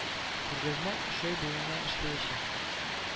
Күргәзмә өч ай буена эшләячәк